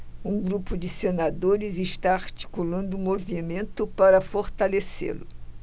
um grupo de senadores está articulando um movimento para fortalecê-lo